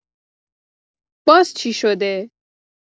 باز چی شده؟